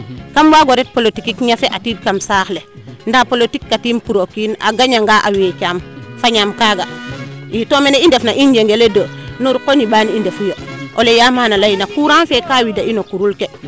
kam waago ret politique ik ñafe atiid kam saax le ndaa politique ka tiim pour o kiin a gagner a a weecaam fañaam kaaga i to mene i ndefna in Yengele2 no ruqo nembeen i ndefu yo ole Ya Mane a ley na courant fe ka wida in o qurul keɓ